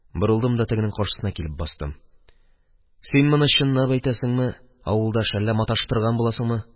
Борылдым да тегенең каршысына килеп бастым: – Син моны чынлап әйтәсеңме, авылдаш, әллә маташтырган буласыңмы?